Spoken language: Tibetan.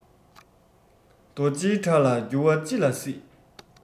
རྡོ རྗེའི བྲག ལ འགྱུར བ ཅི ལ སྲིད